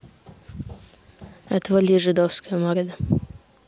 отвали жидовская морда